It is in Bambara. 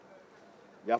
uhun